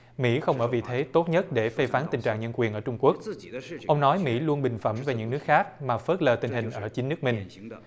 mỹ không ở vị thế tốt nhất để phê phán tình trạng nhân quyền ở trung quốc ông nói mỹ luôn bình phẩm về những nước khác mà phớt lờ tình hình ở chính nước mình